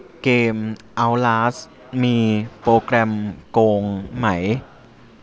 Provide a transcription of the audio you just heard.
เกมเอ้าลาสมีโปรแกรมโกงไหม